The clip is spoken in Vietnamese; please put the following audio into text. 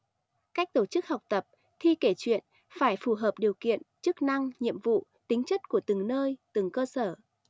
cách tổ chức học tập thi kể chuyện phải phù hợp điều kiện chức năng nhiệm vụ tính chất của từng nơi từng cơ sở